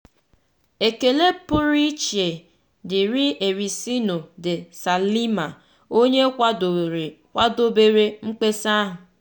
Ekele pụrụ ichie diri Ericino de Salema onye kwadobere mkpesa ahụ.